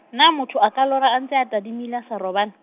na motho a ka lora a ntse a tadimile a sa robal-.